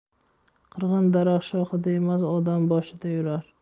qirg'in daraxt shoxida emas odam boshida yurar